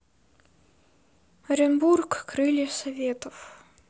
оренбург крылья советов